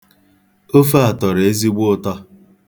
Ofe a tọrọ ezigbo ụtọ.